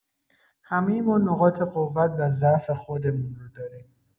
همۀ ما نقاط قوت و ضعف خودمون رو داریم.